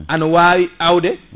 ana wawi awde